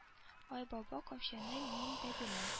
Айбаба камчыны мин дә беләм